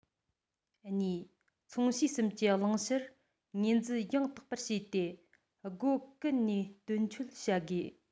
གཉིས མཚོན བྱེད གསུམ གྱི བླང བྱར ངོས འཛིན ཡང དག པར བྱས ཏེ སྒོ ཀུན ནས དོན འཁྱོལ བྱ དགོས